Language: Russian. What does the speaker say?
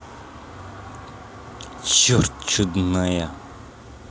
черт чудная